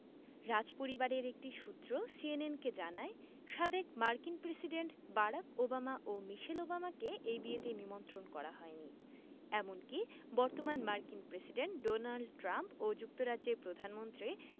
রাজপরিবারের একটি সূত্র সিএনএনকে জানায় সাবেক মার্কিন প্রেসিডেন্ট বারাক ওবামা ও মিশেল ওবামাকে এই বিয়েতে নিমন্ত্রণ করা হয়নি এমনকি বর্তমান মার্কিন প্রেসিডেন্ট ডোনাল্ড ট্রাম্প ও যুক্তরাজ্যের প্রধানমন্ত্রী